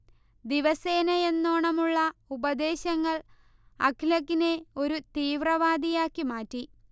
ദിവസേനയെന്നോണമുള്ള ഉപദേശങ്ങൾ അഖ്ലഖിനെ ഒരു തീവ്രവാദിയാക്കി മാറ്റി